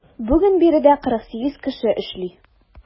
Бүген биредә 48 кеше эшли.